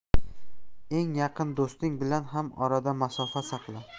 eng yaqin do'sting bilan ham orada masofa saqla